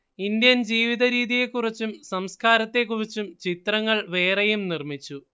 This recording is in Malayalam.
ഇന്ത്യൻ ജീവിതരീതിയെക്കുറിച്ചും സംസ്കാരത്തെക്കുറിച്ചും ചിത്രങ്ങൾ വേറെയും നിർമിച്ചു